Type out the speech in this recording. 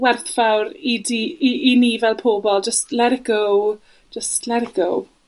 werthfawr i di i i ni fel pobol jyst ler it go, jyst ler it go.